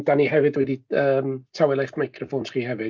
Dan ni hefyd wedi yym tawelu eich meicroffons chi hefyd.